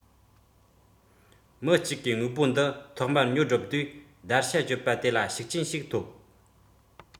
མི གཅིག གིས དངོས པོ འདི ཐོག མར ཉོ སྒྲུབ དུས བརྡར ཤ གཅོད པ དེ ལ ཤུགས རྐྱེན ཞིག ཐོབ